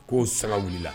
K'o saga wulila